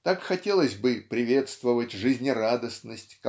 Так хотелось бы приветствовать жизнерадостность